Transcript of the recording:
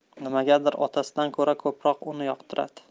nimagadir otasidan ko'ra ko'proq uni yoqtiradi